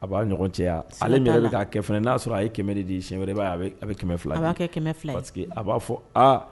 A b'a ɲɔgɔn cɛ ale k'a kɛ fana n'a sɔrɔ a ye kɛmɛɛrɛ de di ye sɛyɛn wɛrɛba a a bɛ kɛmɛ fila' kɛ kɛmɛ fila paseke a b'a fɔ aa